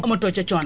amatoo ca coona